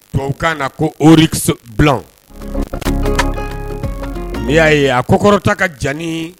To ka na ko ori bulon n' y'a ye a ko kɔrɔta ka jani